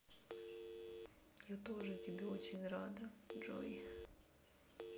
я тоже тебе очень рада джой